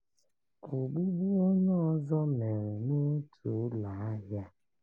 Ogbugbu onye ọzọ mere n'otu ụlọ ahịa.